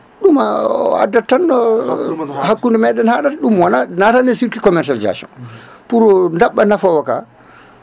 ɗum a addat tan hakkude meɗen haɗata ɗum wona natani e circuit commercialisation pour dabɓa nafowa ka